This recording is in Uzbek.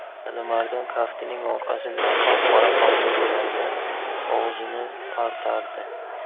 alimardon kaftining orqasi bilan qop qora qonga bo'yalgan og'zini artardi